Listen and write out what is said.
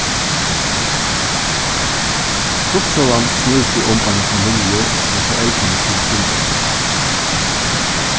stuttsøgan snýr seg um eina familju har foreldrini skulu skiljast